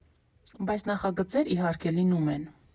Բայց նախագծեր, իհարկե, լինում են։